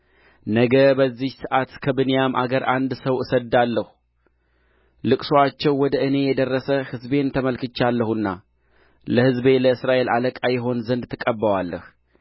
ነገ በዚህች ሰዓት ከብንያም አገር አንድ ሰው እሰድድልሃለሁ ልቅሶአቸው ወደ እኔ የደረስ ሕዝቤን ተመልክቻለሁና ለሕዝቤ ለእስራኤል አለቃ ይሆን ዘንድ ትቀባዋለህ